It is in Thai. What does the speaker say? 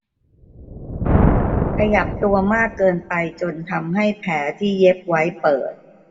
ขยับตัวมากเกินไปจนทำให้แผลที่เย็บไว้เปิด